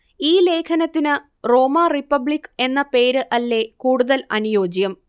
ഈ ലേഖനത്തിനു Roma republic എന്ന പേര് അല്ലേ കൂടുതൽ അനുയോജ്യം